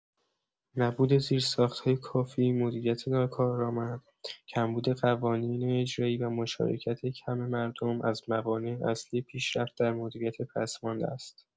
نبود زیرساخت‌های کافی، مدیریت ناکارآمد، کمبود قوانین اجرایی و مشارکت کم مردم از موانع اصلی پیشرفت در مدیریت پسماند است.